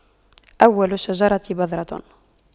أول الشجرة بذرة